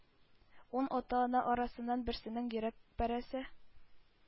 Ун ата-ана арасыннан берсенең йөрәк парәсе